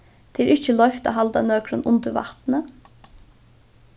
tað er ikki loyvt at halda nøkrum undir vatni